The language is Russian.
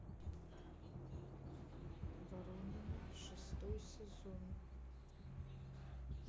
воронины шестой сезон